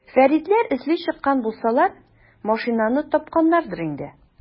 Фәритләр эзли чыккан булсалар, машинаны тапканнардыр инде.